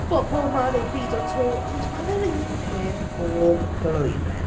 bobl yma neu byd at all ond mae fe'r un peth bob blwyddyn.